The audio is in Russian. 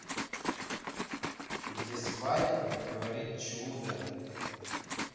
где свадьбы говорит чудо